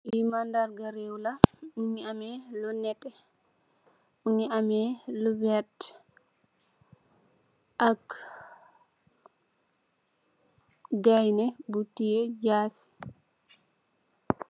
Li mandargar rew la, mungi ameh lu nete, mungi ameh lu vert ak gayene bu teh jaci.